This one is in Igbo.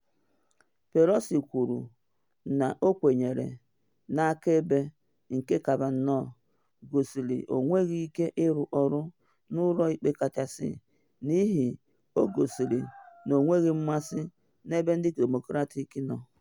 Pelosi kwuru na ọ kwenyere na akaebe nke Kavanaugh gosiri ọ nweghị ike ịrụ ọrụ na Ụlọ Ikpe Kachasị, n’ihi o gosiri na ọ nweghị mmasị n’ebe ndị Demokrat nọ.